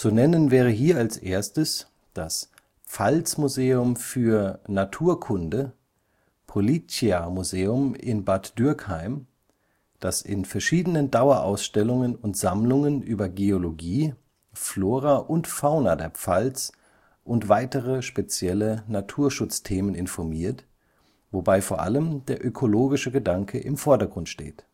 nennen wäre hier als erstes das Pfalzmuseum für Naturkunde – POLLICHIA-Museum in Bad Dürkheim, das in verschiedenen Dauerausstellungen und Sammlungen über Geologie, Flora und Fauna der Pfalz (z. B. Tiere des Waldes, heimische Pilze, Mineralien usw.) und weitere spezielle Naturschutzthemen informiert, wobei vor allem der ökologische Gedanke im Vordergrund steht